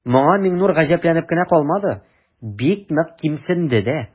Моңа Миңнур гаҗәпләнеп кенә калмады, бик нык кимсенде дә.